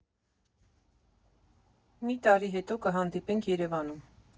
ՄԻ ՏԱՐԻ ՀԵՏՈ ԿՀԱՆԴԻՊԵՆՔ ԵՐԵՎԱՆՈՒՄ։